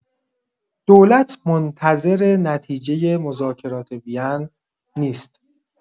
دولت منتظر نتیجه مذاکرات وین نیست.